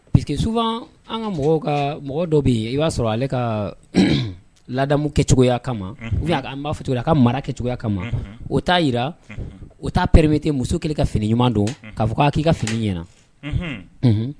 Parce que souvent an ka mɔgɔw ka mɔgɔ dɔ bɛ yen i b'a sɔrɔ ale ka ladamu kɛ cogoya kama ou bien an b'a fɔ cogo di, o ka mara kɛ cogoya kama, o t'a jira , o t'a permettre muso kelen ka fini ɲuman don k'a fɔ k'i ka fini ɲɛna, unhun!